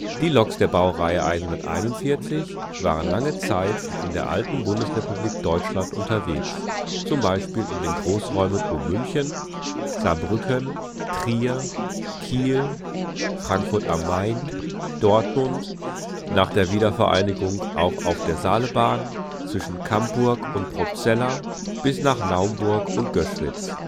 Die Loks der Baureihe 141 waren lange Zeit in der alten Bundesrepublik Deutschland unterwegs, z. B. in den Großräumen um München, Saarbrücken, Trier, Kiel, Frankfurt am Main, Dortmund, nach der Wiedervereinigung auch auf der Saalebahn zwischen Camburg und Probstzella bis nach Naumburg und Göschwitz